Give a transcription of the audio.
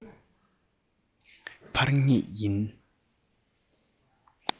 འཕར ངེས ཡིན